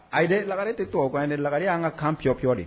Ayi dɛ lagare tɛ tubabu kan ye dɛ. Lagare yan ka kan piyɔpiyɔ de ye.